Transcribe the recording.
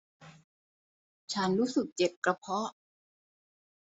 ฉันรู้สึกเจ็บกระเพาะ